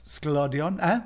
Sglodion e?